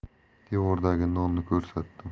devordagi nonni ko'rsatdim